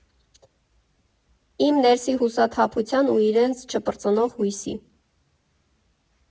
Իմ ներսի հուսահատության ու իրենց չպրծնող հույսի։